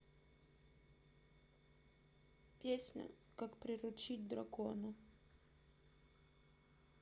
песня как приручить дракона